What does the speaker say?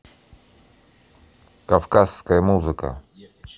кавказская музыка